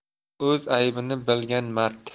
o'z aybini bilgan mard